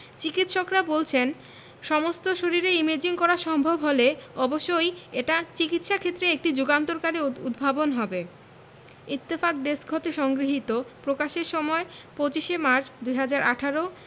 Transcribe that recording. চিকিত্সকরা বলছেন সমস্ত শরীরের ইমেজিং করা সম্ভব হলে অবশ্যই এটা চিকিত্সাক্ষেত্রে একটি যুগান্তকারী উদ্ভাবন হবে ইত্তেফাক ডেস্ক হতে সংগৃহীত প্রকাশের সময় ২৫ শে মার্চ ২০১৮